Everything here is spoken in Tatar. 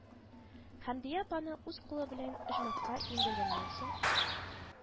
Хәмдия апаны үз кулы белән оҗмахка иңдергәннән соң